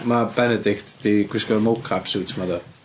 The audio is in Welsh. Mae Benedict 'di gwisgo'r mocap suit 'ma do.